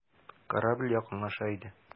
Корабль якынлаша иде.